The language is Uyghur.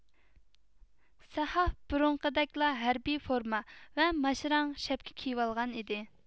سەھاف بۇرۇنقىدەكلا ھەربىي فورما ۋە ماشرەڭ شەپكە كىيىۋالغان ئىدى